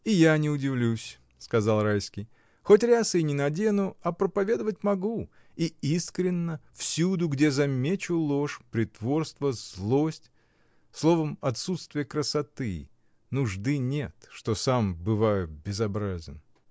— И я не удивлюсь, — сказал Райский, — хоть рясы и не надену, а проповедовать могу — и искренно, всюду, где замечу ложь, притворство, злость — словом, отсутствие красоты, нужды нет, что сам бываю безобразен.